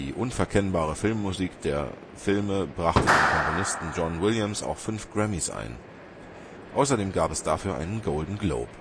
unverkennbare Filmmusik der Filme brachte dem Komponisten John Williams auch fünf Grammys ein. Außerdem gab es dafür einen Golden Globe